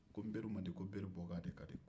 ko nbari man di ko nbari bɔ kan de ka di